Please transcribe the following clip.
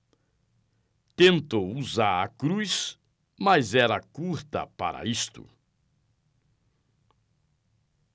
tentou usar a cruz mas era curta para isto